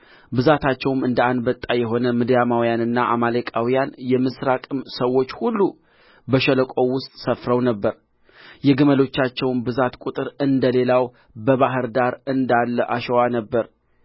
ብዛታቸውም እንደ አንበጣ የሆነ ምድያማውያንና አማሌቃውያን የምሥራቅም ሰዎች ሁሉ በሸለቆው ውስጥ ሰፍረው ነበር የግመሎቻቸውም ብዛት ቍጥር እንደ ሌለው በባሕር ዳር እንዳለ አሸዋ ነበረ